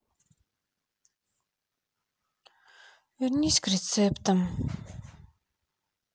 вернись к рецептам